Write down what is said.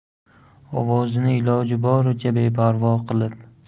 ovozini iloji boricha beparvo qilib